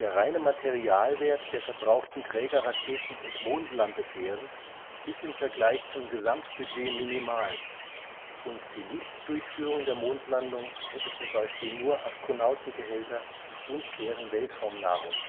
reine Materialwert der verbrauchten Trägerraketen und Mondlandefähren ist im Vergleich zum Gesamtbudget minimal, und die Nichtdurchführung der Mondlandung hätte zum Beispiel nur Astronautengehälter und deren Weltraumnahrung